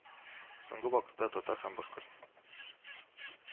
Соңгы вакытта татар һәм башкорт